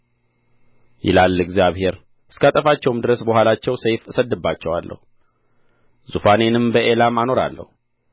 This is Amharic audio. ይላል እግዚአብሔር እስካጠፋቸውም ድረስ በኋላቸው ሰይፍ እሰድድባቸዋለሁ ዙፋኔንም በኤላም አኖራለሁ